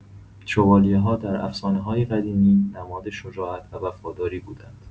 شوالیه‌ها در افسانه‌های قدیمی نماد شجاعت و وفاداری بودند.